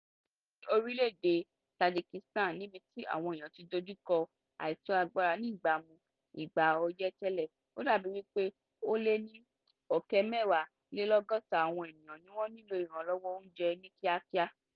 Ní orílẹ̀-èdè Tajikistan, níbi tí àwọn èèyàn tí dojúkọ àìtó agbára oníbamu ìgbà ọyẹ́ tẹ́lẹ̀, ó dàbí wípé ó lé ní 260,000 àwọn ènìyàn ní wọ́n nílò ìrànlọ́wọ́ oúnjẹ ní kíákíá.